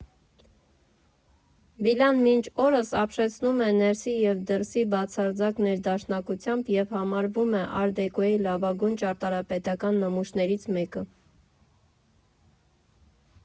Վիլան մինչ օրս ապշեցնում է ներսի և դրսի բացարձակ ներդաշնակությամբ և համարվում ար֊դեկոյի լավագույն ճարտարապետական նմուշներից մեկը։